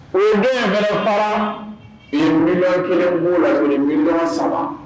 O ye den bɛ fara nin ni kelen k'o la ni saba